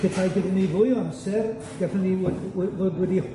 Petai gyda ni fwy o amser, gallwn ni we- we- fod wedi